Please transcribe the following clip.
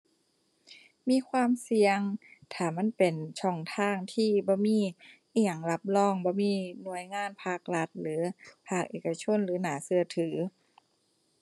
มีความเสี่ยง ถ้ามันเป็นช่องทางที่บ่มีอิหยังรับรอง บ่มีหน่วยงานภาครัฐหรือภาคเอกชนหรือน่าเชื่อถือ